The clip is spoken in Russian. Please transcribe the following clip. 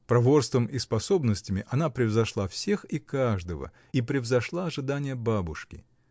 Проворством и способностями она превзошла всех и каждого и превзошла ожидания бабушки.